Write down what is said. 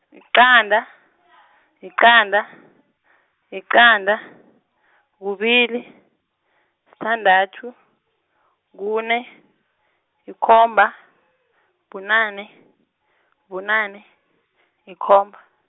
yiqanda, yiqanda, yiqanda, kubili, sithandathu, kune, yikomba , bunane, bunane , yikomba.